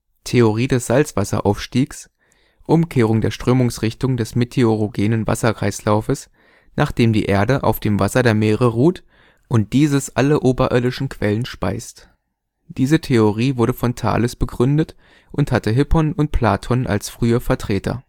Theorie des Salzwasseraufstiegs: Umkehrung der Strömungsrichtung des meteorogenen Wasserkreislaufes, nachdem die Erde auf dem Wasser der Meere ruht und dieses alle oberirdischen Quellen speist. Diese Theorie wurde von Thales begründet und hatte Hippon und Platon als frühe Vertreter